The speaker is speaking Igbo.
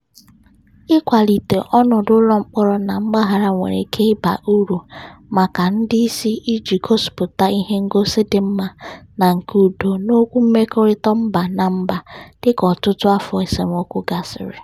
Ịkwalite ọnọdụ ụlọmkpọrọ na mgbaghara nwere ike ịba ụrụ maka ndị isi iji gosịpụta ihengosi dị mma na nke udo n'okwu mmekọrịta mba na mba, dịka ọtụtụ afọ esemokwu gasịrị.